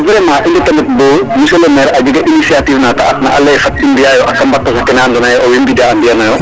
Kon vraiment i ndeta ndet bo monsieur le maire a jega initiative na ta atna a lay ee fat i mbi'aayo a tos ake andoona yee owey mbida a mbi'anooyo .